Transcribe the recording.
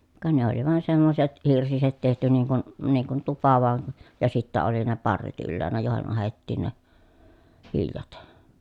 ka ne oli vain semmoiset hirsiset tehty niin kuin niin kuin tupa vain ja sitten oli ne parret ylhäänä joihin ahdettiin ne viljat